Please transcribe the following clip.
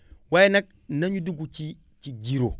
waaye nag nañu dugg ci ci jiiróo